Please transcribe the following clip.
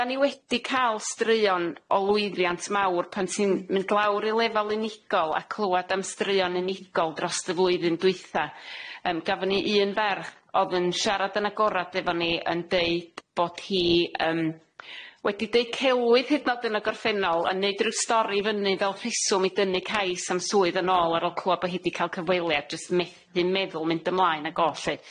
Dan ni wedi ca'l straeon o lwyddiant mawr pan ti'n mynd lawr i lefal unigol a clywad am straeon unigol dros y flwyddyn dwytha yym gafon ni un ferch odd yn siarad yn agorad efo ni yn deud bod hi yym wedi deud celwydd hyd yn o'd yn y gorffennol yn neud ryw stori i fyny fel rheswm i dynnu cais am swydd yn ôl ar ôl clwad bo' hi di ca'l cyfweliad jyst met- methu meddwl mynd ymlaen ag o lly.